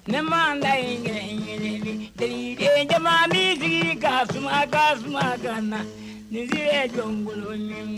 Ne bɛ kɛli jama mini jigin ka ka ka na nin jɔnkolonin